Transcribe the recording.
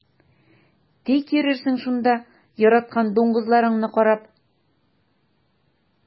Тик йөрерсең шунда яраткан дуңгызларыңны карап.